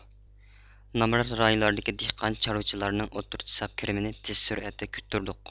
نامرات رايونلاردىكى دېھقان چارۋىچىلارنىڭ ئوتتۇرىچە ساپ كىرىمىنى تېز سۈرئەتتە كۆتۈردۇق